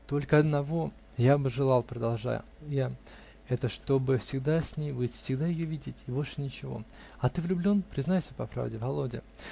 -- Только одного я бы желал, -- продолжал я, -- это -- чтобы всегда с ней быть, всегда ее видеть, и больше ничего. А ты влюблен? признайся по правде, Володя.